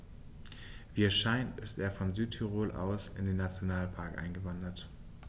Wie es scheint, ist er von Südtirol aus in den Nationalpark eingewandert.